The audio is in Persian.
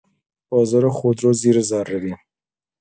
بازار خودرو زیر ذره‌بین